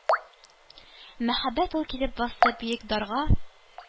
Мәһабәт ул килеп басты биек «дар»га.